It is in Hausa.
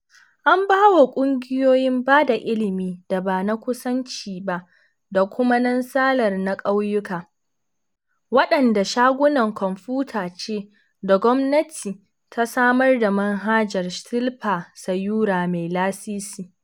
An ba wa ƙungiyoyin ba da ilimi da ba na kasuwanci ba da kuma Nansalar na ƙauyuka, waɗanda shagunan kwanfuta ce da gwamnati ta samar da manhajar Shilpa Sayura mai lasisi.